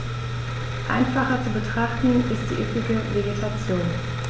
Einfacher zu betrachten ist die üppige Vegetation.